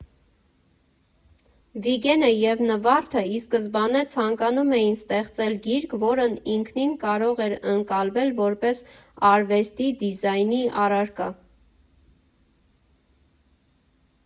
Վիգենը և Նվարդը ի սկզբանե ցանկանում էին ստեղծել գիրք, որն ինքնին կարող էր ընկալվել որպես արվեստի դիզայնի առարկա.